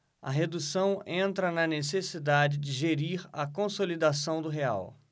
a redução entra na necessidade de gerir a consolidação do real